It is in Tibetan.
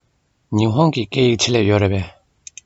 ཉི ཧོང གི སྐད ཡིག ཆེད ལས ཡོད རེད པས